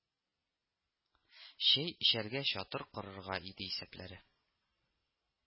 Чәй эчәргә чатыр корырга иде исәпләре